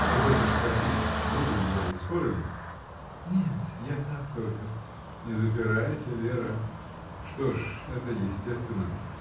— Ты хочешь спросить, еду ли я и скоро ли?. — Нет, я так только. — Не запирайся, Вера! что ж, это естественно!